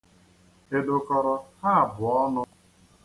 Ị dụkọrọ ha abụọ ọnụ?